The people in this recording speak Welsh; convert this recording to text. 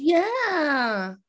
Ie.